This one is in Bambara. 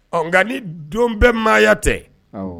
Ɔ nka ni don bɛ maaya tɛ